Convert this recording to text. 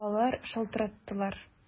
Балалар шалтыраттылар!